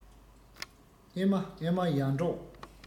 ཨེ མ ཨེ མ ཡར འབྲོག